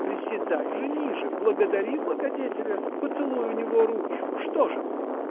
Приседай же ниже, благодари благодетеля, поцелуй у него ручку. Что же ты?